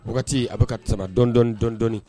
Wagatii a be ka t sama dɔndɔni- dɔndɔni